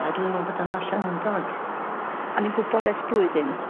...yy dwi'n me'wl bod o'n ollyngdod o'n i'n gwbod ers blwyddyn